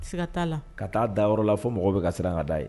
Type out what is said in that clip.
Tɛ se ka taaa la ka taa da yɔrɔ la fo mɔgɔ bɛ ka siran k' daa ye